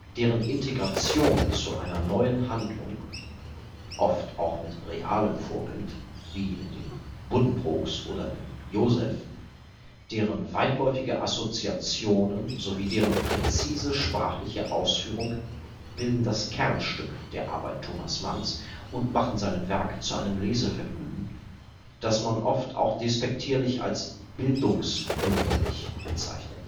Deren Integration zu einer neuen Handlung (oft auch mit realem Vorbild, wie in den Buddenbrooks oder im Joseph), deren weitläufige Assoziationen sowie deren präzise sprachliche Ausführung bilden das Kernstück der Arbeit Thomas Manns und machen seine Werke zu einem Lesevergnügen, das man oft auch despektierlich als „ bildungs-bürgerlich “bezeichnet